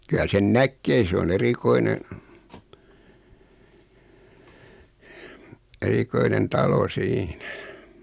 kyllä sen näkee se on erikoinen erikoinen talo siinä